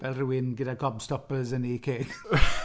Fel rywun gyda gobstoppers yn eu ceg .